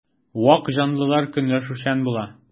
Вак җанлылар көнләшүчән була.